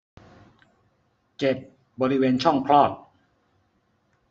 เจ็บบริเวณช่องคลอด